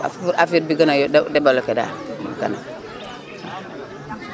pour affaire bi gën a développer daal waaw